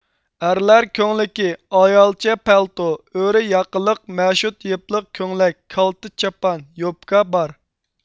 ئەرلەر كۆڭلىكى ئايالچە پەلتو ئۆرە ياقىلىق مەشۇت يىپلىق كۆڭلەك كالتە چاپان يوپكا بار